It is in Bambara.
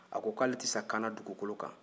a ko ko ale tɛ sa kaana dugukolo kan